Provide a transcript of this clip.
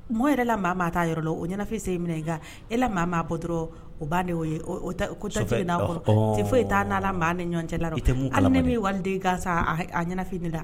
Mɔɔ yɛrɛ la maa maa t'a yɔrɔ lɔ o ɲɛnafin sen minɛ e ka ɛ la maa maa bɔ dɔrɔɔn o baanne o ye o o tɛ ko tɛ ça fait ɔnhɔnn jiginna o kɔnɔ ci foyi t'aa n'a la maa ni ɲɔgɔn cɛ larɔ i te mun kalama dɛ hali ne min ye bɛ waliden gansan a ye a ɲɛnafin ye ne la